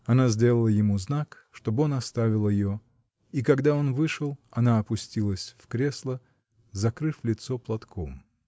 Она сделала ему знак, чтоб он оставил ее, и когда он вышел, она опустилась в кресла, закрыв лицо платком.